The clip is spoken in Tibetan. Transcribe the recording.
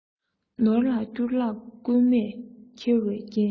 ནོར ལ བསྐྱུར བརླག རྐུན མས འཁྱེར བའི ཉེན